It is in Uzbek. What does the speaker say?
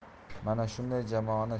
mana shunday jamoani